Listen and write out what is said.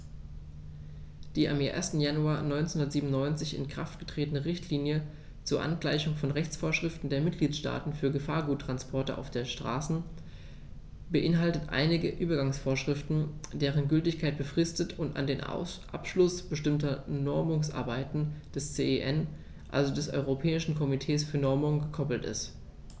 Die am 1. Januar 1997 in Kraft getretene Richtlinie zur Angleichung von Rechtsvorschriften der Mitgliedstaaten für Gefahrguttransporte auf der Straße beinhaltet einige Übergangsvorschriften, deren Gültigkeit befristet und an den Abschluss bestimmter Normungsarbeiten des CEN, also des Europäischen Komitees für Normung, gekoppelt ist.